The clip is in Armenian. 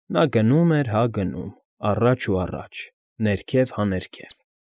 Նա գնում էր հա գնում, առաջ ու առաջ, ներքև հա ներքև։